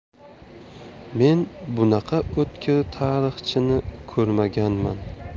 men bunaqa o'tkir tarixchini ko'rmaganman